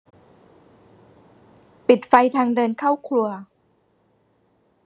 ปิดไฟทางเดินเข้าครัว